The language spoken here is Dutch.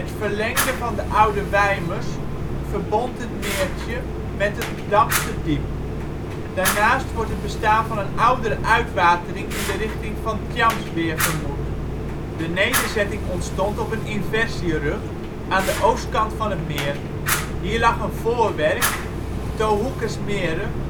verlengde van de Oude Wijmers verbond het meertje met het Damsterdiep. Daarnaast wordt het bestaan van een oudere uitwatering in de richting van Tjamsweer vermoed. De nederzetting ontstond op een inversierug aan de oostkant van het meer. Hier lag een voorwerk to Hoekes Mere